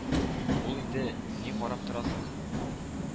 Ул инде: «Ни карап торасыз?»